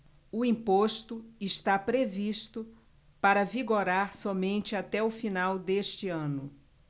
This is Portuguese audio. o imposto está previsto para vigorar somente até o final deste ano